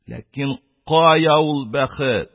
Ләкин кая ул бәхет?!